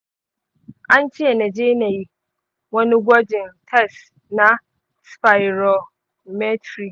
ance na je nayi wani gwajin tes na spirometry.